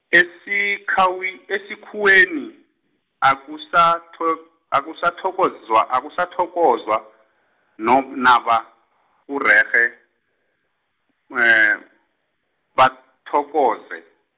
esikhawin- esikhuweni, akusatl- akusathokozwa akusathokozwa, nobunaba urerhe, bathokoze.